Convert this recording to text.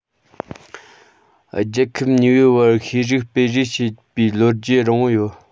རྒྱལ ཁབ གཉིས པོའི བར ཤེས རིག སྤེལ རེས བྱེད པའི ལོ རྒྱུས རིང པོ ཡོད